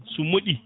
so mooɗi